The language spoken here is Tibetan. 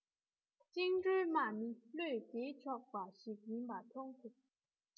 བཅིངས འགྲོལ དམག ནི བློས འགེལ ཆོག པ ཞིག ཡིན པ མཐོང ཐུབ